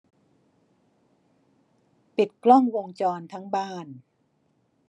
ปิดกล้องวงจรทั้งบ้าน